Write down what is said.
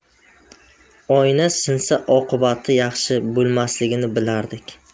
oyna sinsa oqibati yaxshi bo'lmasligini bilardik